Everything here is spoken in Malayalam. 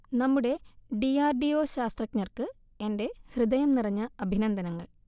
നമ്മുടെ ഡി ആർ ഡി ഒ ശാസ്ത്രജ്ഞർക്ക് എന്റെ ഹൃദയം നിറഞ്ഞ അഭിനന്ദങ്ങൾ